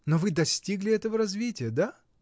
Но вы достигли этого развития, да?